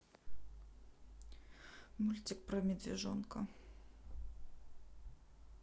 мультик про медвежонка